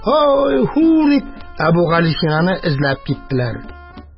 «һай-һу» дип, әбүгалисинаны эзләп киттеләр.